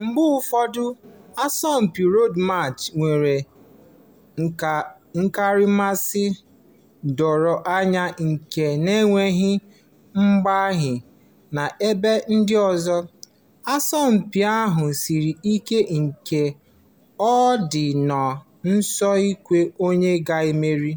Mgbe ụfọdụ, asọmpi Road March nwere nkaramasị doro anya nke na-enweghị mgbagha; n'ebe ndị ọzọ, asọmpi ahụ siri ike nke na ọ dị nnọọ nso ikwu onye ga-emeri.